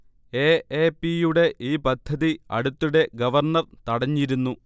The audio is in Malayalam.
എ. എ. പി. യുടെ ഈ പദ്ധതി അടുത്തിടെ ഗവർണർ തടഞ്ഞിരുന്നു